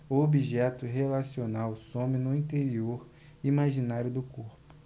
o objeto relacional some no interior imaginário do corpo